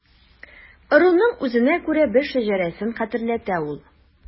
Ыруның үзенә күрә бер шәҗәрәсен хәтерләтә ул.